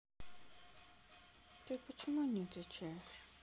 ты почему не отвечаешь